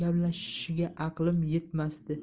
nimani gaplashishiga aqlim yetmasdi